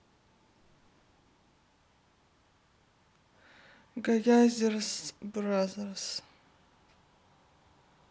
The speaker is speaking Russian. гаязерс бразерс